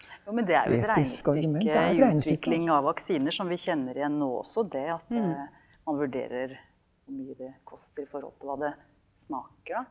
jo, men det er jo et regnestykke i utvikling av vaksiner som vi kjenner igjen nå også, det at man vurderer hvor mye det koster i forhold til hva det smaker da.